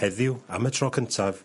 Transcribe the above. ...heddiw am y tro cyntaf...